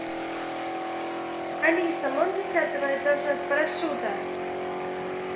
алиса мон десятого этажа с парашюта